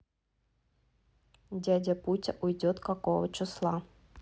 дядя путя уйдет какого числа